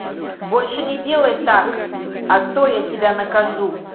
больше не делай так то я тебя накажу